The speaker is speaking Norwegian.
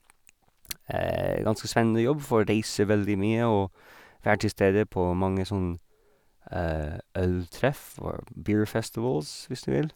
Ganske spennende jobb, får reise veldig mye og være til stede på mange sånn øltreff, or beer festivals, hvis du vil.